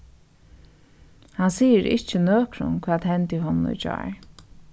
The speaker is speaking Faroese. hann sigur ikki nøkrum hvat hendi honum í gjár